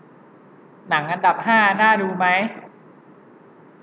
หนังอันดับห้าน่าดูไหม